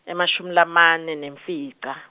emashumi lamane nemfica.